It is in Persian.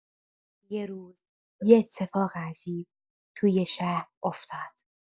یه روز، یه اتفاق عجیب توی شهر افتاد.